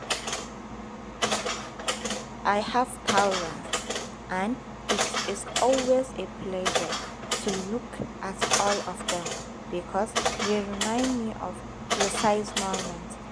To avoid infection with the new coronavirus wash your hands several times with soap and water, keep a distance of 1.5 meters from other people.